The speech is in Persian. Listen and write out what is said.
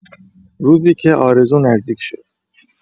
روزی که آرزو نزدیک شد.